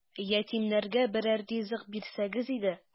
Ятимнәргә берәр ризык бирсәгез иде! ..